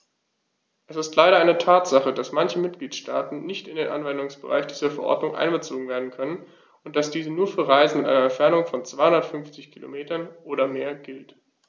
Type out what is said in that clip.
Es ist leider eine Tatsache, dass manche Mitgliedstaaten nicht in den Anwendungsbereich dieser Verordnung einbezogen werden können und dass diese nur für Reisen mit einer Entfernung von 250 km oder mehr gilt.